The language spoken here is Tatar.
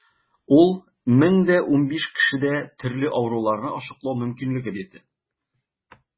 Ул 1015 кешедә төрле авыруларны ачыклау мөмкинлеге бирде.